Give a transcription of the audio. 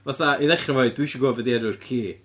Fatha, i ddechrau efo hi, dwi isio gwybod be 'di enw'r ci.